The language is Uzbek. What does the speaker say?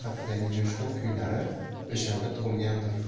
haqidagi jo'shqin kuylari o'shanda tug'ilgandir